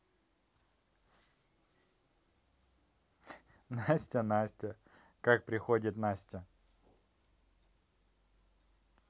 настя настя как приходит настя